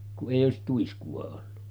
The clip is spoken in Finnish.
kun ei olisi tuiskua ollut